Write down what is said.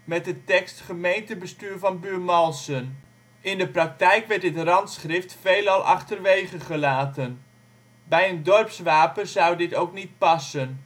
met de tekst: " Gemeentebestuur van Buurmalsen ". In de praktijk werd dit randschrift veelal achterwege gelaten. Bij een dorpswapen zou dit ook niet passen